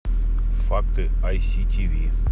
факты ай си ти ви